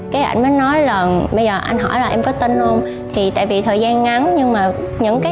cái ảnh mới nói là bây giờ anh hỏi là em có tin không thì tại vì thời gian ngắn nhưng mà những cái